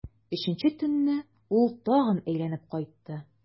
Өченче төнне ул тагын әйләнеп кайтты.